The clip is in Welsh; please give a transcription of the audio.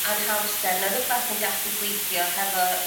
anhawster ne' rwbath yn gallu gweithio hefo